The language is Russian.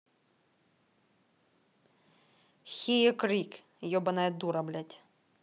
hue крик ебаная дура блядь